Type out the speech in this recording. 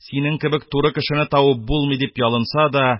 Синең кебек туры кешене табып булмый, - дип ялынса да,